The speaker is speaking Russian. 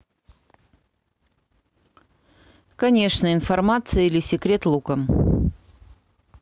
конечно информация или secret луком